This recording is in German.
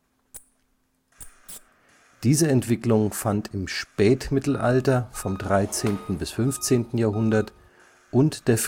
Diese Entwicklung fand im Spätmittelalter (13. bis 15. Jahrhundert) und der